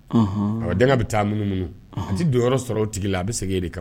A denkɛ bɛ taa minnuunu ji don yɔrɔ sɔrɔ o tigi la a bɛ segin de kan